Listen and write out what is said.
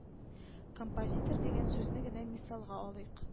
Композитор дигән сүзне генә мисалга алыйк